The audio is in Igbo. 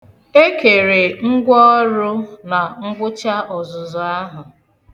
Ekere ngwa ọrụ na ngwụcha ọzụzụ ahụ.